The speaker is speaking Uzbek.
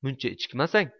muncha ichikmasang